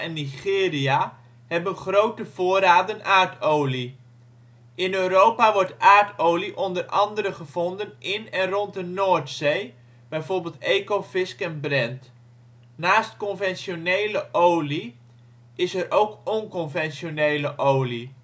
Nigeria hebben grote voorraden aardolie. In Europa wordt aardolie onder andere gevonden in en rond de Noordzee (bijvoorbeeld Ekofisk, Brent). Naast conventionele olie is er ook onconventionele olie